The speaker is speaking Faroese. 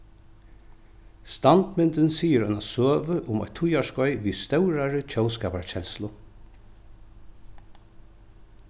standmyndin sigur eina søgu um eitt tíðarskeið við stórari tjóðskaparkenslu